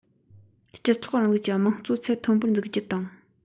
སྤྱི ཚོགས རིང ལུགས ཀྱི དམངས གཙོ ཚད མཐོན པོ འཛུགས རྒྱུ དང